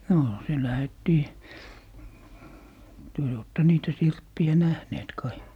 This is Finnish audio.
no se lähdettiin te jo olette niitä sirppejä nähneet kai